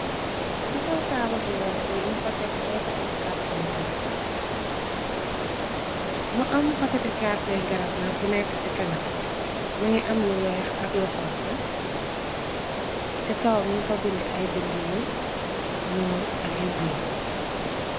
Ci kawamo am paketi kartoy garab na bu nekk. Ci kanam më ngi am lu weex ak lu xong ci kawam ñu fa bindi ay bindi yu ñuul ak yu blog.